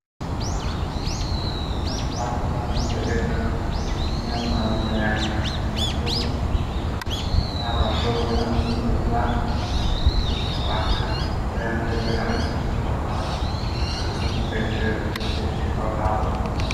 Sina plas bamante diferen mino falmu fineka amna toggu ak taabar toog bi na amnalu black habar bi am bi sokkola beleen toggu bi tame bi sokolaala amnalu tegu suk si ci kaw taabul bi.